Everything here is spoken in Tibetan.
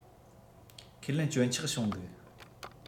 ཁས ལེན སྐྱོན ཆག བྱུང འདུག